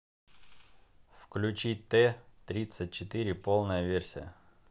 включи тэ тридцать четыре полная версия